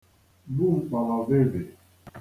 gbu mkpọ̀lọ̀vịvị̀